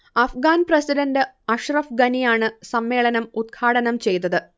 Afghan president Ashraf ഗനിയാണ് സമ്മേളനം ഉദ്ഘാടനം ചെയ്തത്